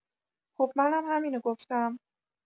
خب منم همینو گفتم